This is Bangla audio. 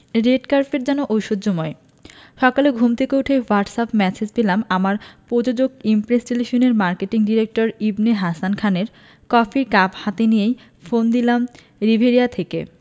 রেড কার্পেট যেন ঐশ্বর্যময় সকালে ঘুম থেকে উঠেই হোয়াটসঅ্যাপ ম্যাসেজ পেলাম আমার প্রযোজক ইমপ্রেস টেলিফিল্মের মার্কেটিং ডিরেক্টর ইবনে হাসান খানের কফির কাপ হাতেই নিয়ে ফোন দিলাম রিভেরিয়া থেকে